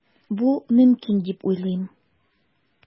Бу мөмкин дип уйлыйм.